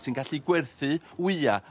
...sy'n gallu gwerthu wya